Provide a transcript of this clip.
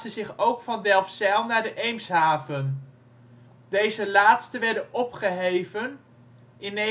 zich ook van Delfzijl naar de Eemshaven. Deze laatste werden opgeheven in 1999